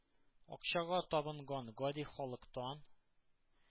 Акчага табынган, гади халыктан